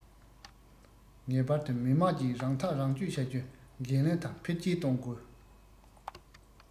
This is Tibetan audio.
ངེས པར དུ མི དམངས ཀྱིས རང ཐག རང གཅོད བྱ རྒྱུ འགན ལེན དང འཕེལ རྒྱས གཏོང དགོས